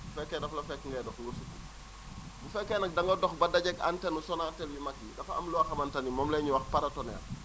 bu fekke dafa la fekk ngay dox nga sukk bu fekkee nag da nga dox ba dajeeg antenne yu Sonatel yu mag yi dafa ma loo xamante ni moom la ñuy wax paratonnerre